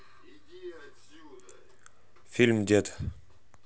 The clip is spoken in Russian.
фильм дед